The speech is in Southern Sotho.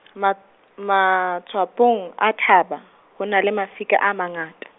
mat-, matswapong a thaba, ho na le mafika a mangata.